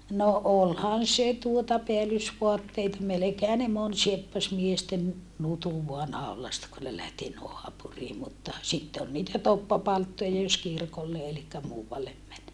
no olihan se tuota päällysvaatteita melkeinhän ne moni sieppasi miesten nutun vain naulasta kun ne lähti naapuriin mutta sitten oli niitä toppapalttoita jos kirkolle eli muualle meni